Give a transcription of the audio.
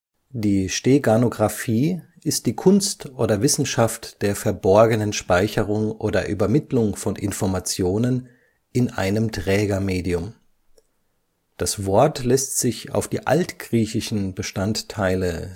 Die Steganographie (auch: Steganografie) ist die Kunst oder Wissenschaft der verborgenen Speicherung oder Übermittlung von Informationen in einem Trägermedium (Container). Das Wort lässt sich auf die altgriechischen Bestandteile